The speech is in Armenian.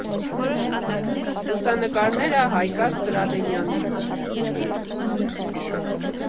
Լուսանկարները՝ Հայգազ Կրադենյանի։